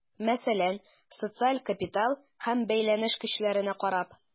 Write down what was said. Мәсәлән, социаль капитал һәм бәйләнеш көчләренә карап.